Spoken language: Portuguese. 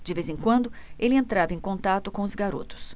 de vez em quando ele entrava em contato com os garotos